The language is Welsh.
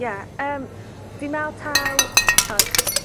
Ie, yym, dwi me'wl taw, t'od